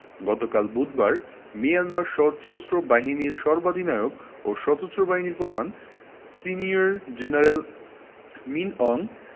গতকাল বুধবার মিয়ানমার সশস্ত্র বাহিনীর সর্বাধিনায়ক ও সশস্ত্র বাহিনীর প্রধান সিনিয়র জেনারেল মিন অং